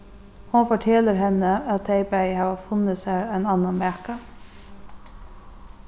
hon fortelur henni at tey bæði hava funnið sær ein annan maka